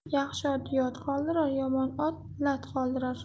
yaxshi ot yod qoldirar yomon ot lat qoldirar